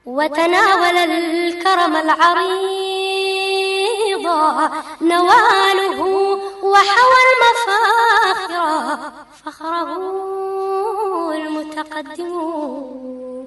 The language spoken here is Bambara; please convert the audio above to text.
Wa walikɔrɔbɔ naamu wa wa wolo